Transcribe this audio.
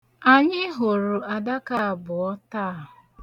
Anyị hụrụ adaka abụọ taa.